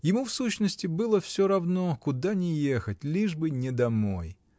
ему, в сущности, было все равно, куда ни ехать -- лишь бы не домой.